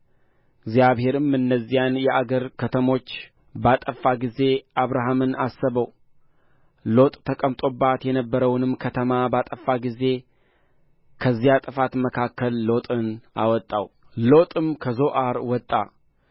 እግዚአብሔርም እነዚያን የአገር ከተሞች ባጠፋ ጊዜ አብርሃምን አሰበው ሎጥ ተቀምጦበት የነበረውንም ከተማ ባጠፋ ጊዜ ከዚያ ጥፋት መካከል ሎጥን አወጣው ሎጥም ከዞዓር ወጣ